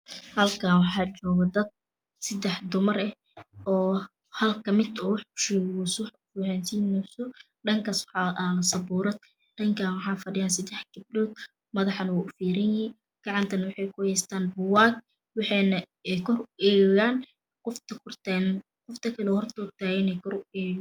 Halkaan waxaa jooga dad seddex dumar eh oo hal ka mida wax u sheegayso waxay siinooso dhankaas waxaa aalo sabuurad dhankaan waxaa fadhiyaan seddex gabdhood maxada wuu u feeranyahay gacantane waxay ku haystaan buugaag. Waxayna kor u eegaayaan qofta kor taagan qofta kalene